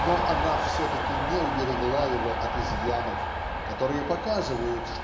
Но она все-таки не уберегла его от изъянов которые показывают